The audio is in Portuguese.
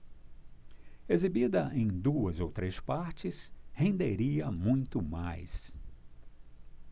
exibida em duas ou três partes renderia muito mais